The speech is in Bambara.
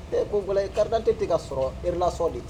Ko bɔn kari tɛ ka sɔrɔ hrina sɔ de